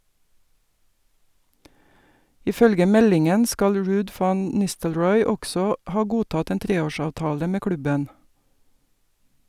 Ifølge meldingen skal Ruud van Nistelrooy også ha godtatt en treårsavtale med klubben.